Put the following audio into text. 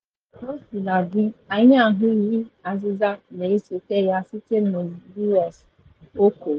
“Kosiladị, anyị ahụghị asịsa na-esote ya sitere na U,S” o kwuru.